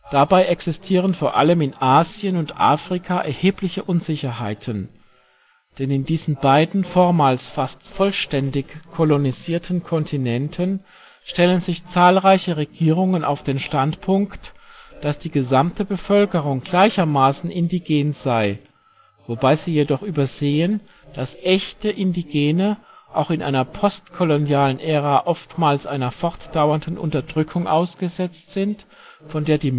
Dabei existieren v.a. in Asien und Afrika erhebliche Unsicherheiten. Denn in diesen beiden vormals fast vollständig kolonisierten Kontinenten stellen sich zahlreiche Regierungen auf den Standpunkt, dass die gesamte Bevölkerung gleichermaßen indigen sei, wobei sie jedoch übersehen, dass " echte " indigene auch in einer postkolonialen Ära oftmals einer fortdauernden Unterdrückung ausgesetzt sind, von der die